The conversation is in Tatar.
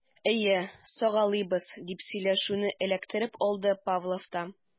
Әйе, сагалыйбыз, - дип сөйләшүне эләктереп алды Павлов та.